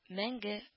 Мәҗге